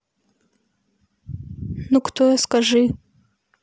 ну кто я скажи